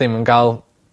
ddim ga'l